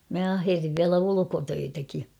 minä ahersin vielä ulkotöitäkin